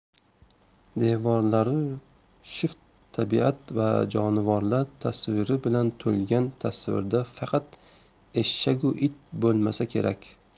devorlaru shift tabiat va jonivorlar tasviri bilan to'lgan tasvirda faqat eshagu it bo'lmasa kerak